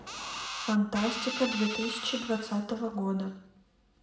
фантастика две тысячи двадцатого года